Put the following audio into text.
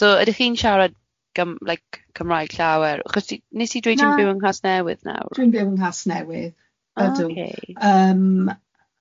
So ydych chi'n siarad Gym- like Cymraeg llawer? Achos ti wnes di dweud... Na. ...dwi'n byw yng Nghasnewydd nawr. Dwi'n byw yng Nghasnewydd, ydw. Ah ocê. Yym.